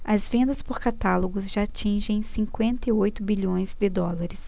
as vendas por catálogo já atingem cinquenta e oito bilhões de dólares